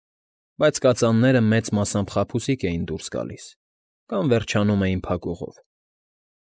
Բայց կածանները մեծ մասամբ խաբուսիկ էին դուրս գալիս կամ վերջանում էին փակուղով։